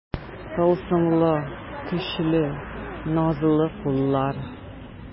Тылсымлы, көчле, назлы куллар.